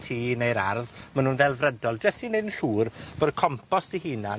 tŷ neu'r ardd. Ma' nw'n ddelfrydol. Jyst i neud yn siŵr fod y compost 'i hunan